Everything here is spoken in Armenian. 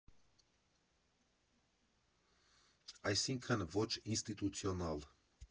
Այսինքն՝ ոչ ինստիտուցիոնալ։